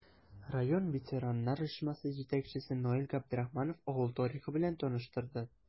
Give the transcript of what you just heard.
Район ветераннар оешмасы җитәкчесе Наил Габдрахманов авыл тарихы белән таныштырды.